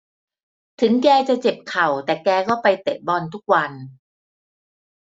ถึงแกจะเจ็บเข่าแต่แกก็ไปเตะบอลทุกวัน